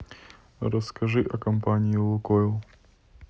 расскажи о компании лукойл